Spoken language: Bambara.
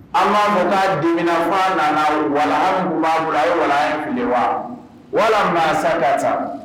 An m'a fɔ k'a dimina f'a nana walaha mun b'a bolo a ye walaha in fili wa